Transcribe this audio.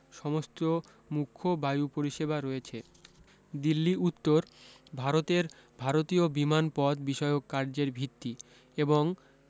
সমস্ত মুখ্য বায়ু পরিসেবা রয়েছে দিল্লী উত্তর ভারতের ভারতীয় বিমানপথ বিষয়ক কার্যের ভিত্তি এবং